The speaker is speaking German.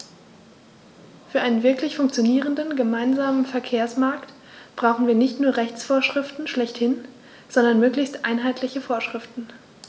Für einen wirklich funktionierenden gemeinsamen Verkehrsmarkt brauchen wir nicht nur Rechtsvorschriften schlechthin, sondern möglichst einheitliche Vorschriften.